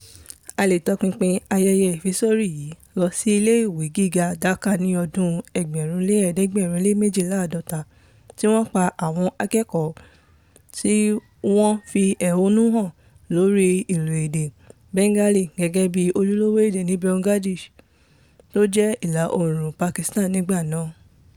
A lè tọpinpin ayeye ìfisọrí yìí lọ sí iléèwé gíga Dhaka ní ọdún 1952 tí wọ́n pa àwọn akẹ́kọ̀ọ́ tí wọ́n ń fi èhónú han lóri lílo èdè Bengali gẹ́gẹ́ bi ojúlówó èdè ní Bangladesh ( tó jẹ́ ìlà oòrùn Pakistan nígbà náà)